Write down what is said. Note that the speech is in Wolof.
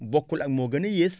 bokkul ak moo gën a yées